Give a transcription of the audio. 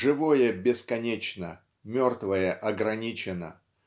Живое бесконечно, мертвое ограниченно.